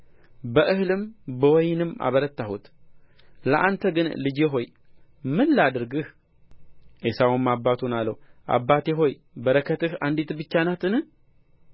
በእህልም በወይንም አበረታሁት ለአንተ ግን ልጄ ሆይ ምን ላድርግ ዔሳውም አባቱን አለው አባቴ ሆይ በረከትህ አንዲት ብቻ ናትን